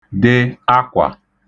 de akwà